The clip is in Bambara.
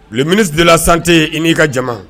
Bminɛ dela sante i n'i ka jama